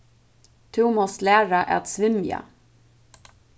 tú mást læra at svimja